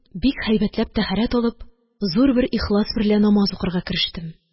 Бик һәйбәтләп тәһарәт алып, зур бер ихлас берлә намаз укырга керештем